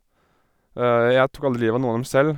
Jeg tok aldri liv av noen av dem selv.